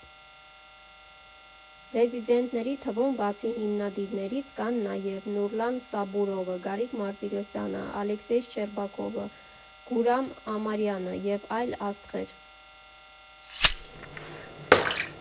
Ռեզիդենտների թվում բացի հիմնադիրներից կան նաև Նուրլան Սաբուրովը, Գարիկ Մարտիրոսյանը, Ալեքսեյ Շչերբակովը, Գուրամ Ամարյանը և այլ աստղեր։